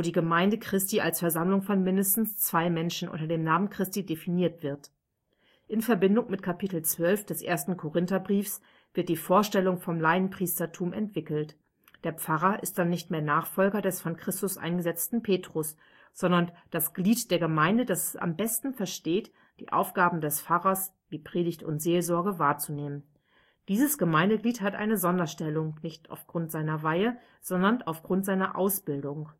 Gemeinde Christi als Versammlung von mindestens zwei Menschen unter dem Namen Christi definiert wird. In Verbindung mit Kapitel 12 des 1. Korintherbriefs wird die Vorstellung vom Laienpriestertum entwickelt. Der Pfarrer ist dann nicht mehr Nachfolger des von Christus eingesetzten Petrus, sondern das Glied der Gemeinde, das es am besten versteht, die Aufgaben des Pfarrers, wie Predigt und Seelsorge, wahrzunehmen. Dieses Gemeindemitglied hat seine Sonderstellung nicht aufgrund seiner Weihe, sondern aufgrund seiner Ausbildung